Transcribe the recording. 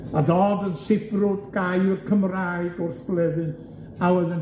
a Dodd yn sibrwd gair Cymraeg wrth Bleddyn, a oedd yn